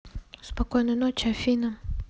спокойной ночи афина